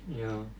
joo